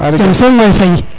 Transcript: jam soom waay Faye